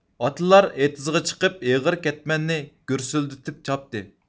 ئاتىلار ئېتىزغا چىقىپ ئېغىر كەتمەننى گۈرسۈلدىتىپ چاپتى